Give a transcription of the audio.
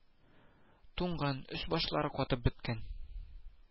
Туңган, өс-башлары катып беткән